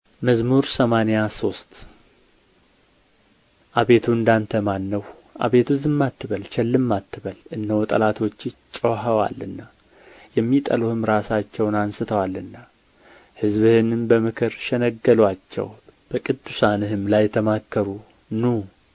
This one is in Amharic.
መዝሙር ሰማንያ ሶስት አቤቱ እንደ አንተ ማን ነው አቤቱ ዝም አትበል ቸልም አትበል እነሆ ጠላቶችህ ጮኽዋልና የሚጠሉህም ራሳቸውን አንሥተዋልና ሕዝብህን በምክር ሸነገሉአቸው በቅዱሳንህም ላይ ተማከሩ ኑ